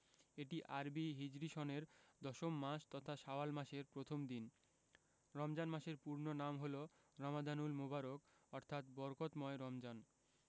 এটি আরবি হিজরি সনের দশম মাস তথা শাওয়াল মাসের প্রথম দিন রমজান মাসের পূর্ণ নাম হলো রমাদানুল মোবারক অর্থাৎ বরকতময় রমজান